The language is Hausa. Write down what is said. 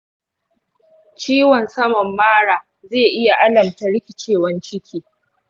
ciwon saman mara zai iya alamta rikicewan ciki.